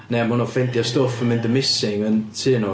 Neu ma' nhw'n ffeindio stwff yn mynd yn missing yn tŷ nhw.